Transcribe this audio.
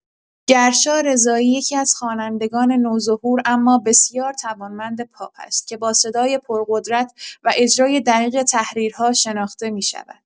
گرشا رضایی یکی‌از خوانندگان نوظهور اما بسیار توانمند پاپ است که با صدای پرقدرت و اجرای دقیق تحریرها شناخته می‌شود.